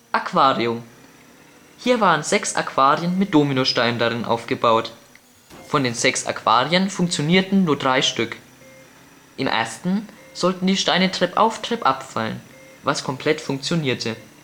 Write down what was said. Aquarium - Hier waren sechs Aquarien mit Dominosteinen darin aufgebaut. Von den sechs Aquarien funktionierten nur drei Stück. Im ersten sollten die Steine treppauf-treppab fallen, was komplett funktionierte